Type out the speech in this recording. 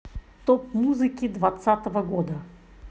топ музыки двадцатого года